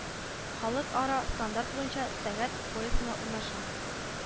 Халыкара стандарт буенча сәгать поясына урнаша